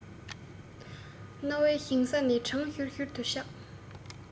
སྣང བའི ཞིང ས ནས གྲང ཤུར ཤུར དུ ཆག